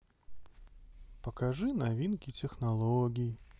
покажи новинки технологий